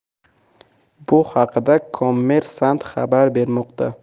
bu haqda kommersant xabar bermoqda